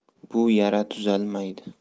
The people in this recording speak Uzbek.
bu yara tuzalmaydi